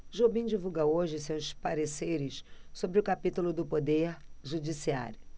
jobim divulga hoje seus pareceres sobre o capítulo do poder judiciário